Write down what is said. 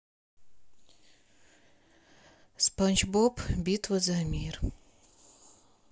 спанч боб битва за мир